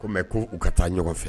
Kɔmi ko u ka taa ɲɔgɔn fɛ